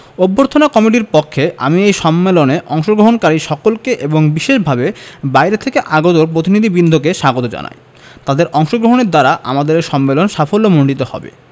অভ্যর্থনা কমিটির পক্ষে আমি এই সম্মেলনে অংশগ্রহণকারী সকলকে ও বিশেষভাবে বাইরে থেকে আগত প্রতিনিধিবৃন্দকে স্বাগত জানাই তাদের অংশগ্রহণের দ্বারা আমাদের এ সম্মেলন সাফল্যমণ্ডিত হবে